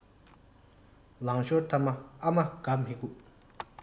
ལང ཤོར ཐ མ ཨ མ དགའ མི ཁུག